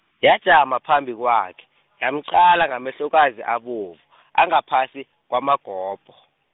yajama phambi kwakhe, yamqala ngamehlokazi abovu, angaphasi kwamagobho.